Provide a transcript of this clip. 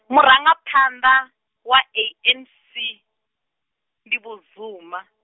murangaphanḓa wa ANC, ndi Vho Zuma.